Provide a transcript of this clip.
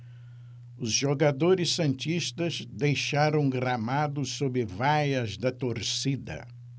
os jogadores santistas deixaram o gramado sob vaias da torcida